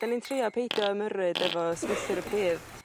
'dyn ni'n trio peidio ymyrryd efo strwythur y pridd.